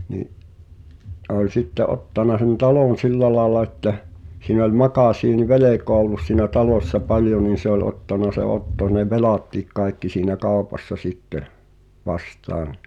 niin se oli sitten ottanut sen talon sillä lailla että siinä oli makasiinivelkaa ollut siinä talossa paljon niin se oli ottanut se Otto ne velatkin kaikki siinä kaupassa sitten vastaan